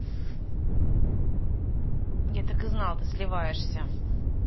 я так и знал ты сливаешься